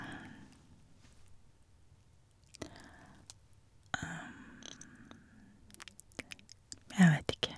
Jeg vet ikke.